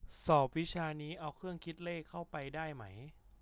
สอบวิชานี้เอาเครื่องคิดเลขเข้าไปได้ไหม